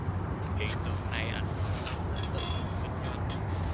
hiện tượng này ảnh hưởng xấu đến tình hình kinh doanh